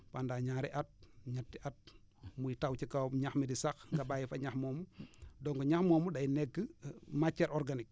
pendant ñaari at ñetti at muy taw ci kawam ñax mi di sax nga bàyyi fa ñax moomu donc ñax moomu day nekk matière organique